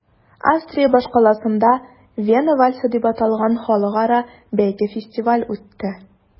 Австрия башкаласында “Вена вальсы” дип аталган халыкара бәйге-фестиваль үтте.